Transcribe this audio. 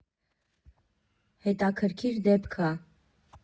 Հետաքրքիր դեպք ա։